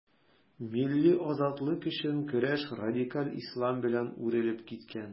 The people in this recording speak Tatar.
Милли азатлык өчен көрәш радикаль ислам белән үрелеп киткән.